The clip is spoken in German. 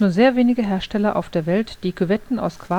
sehr wenige Hersteller auf der Welt, die Küvetten aus